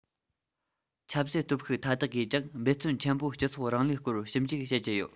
ཆབ སྲིད སྟོབས ཤུགས མཐའ དག གིས ཀྱང འབད བརྩོན ཆེན པོས སྤྱི ཚོགས རིང ལུགས སྐོར ཞིབ འཇུག བྱེད ཀྱི ཡོད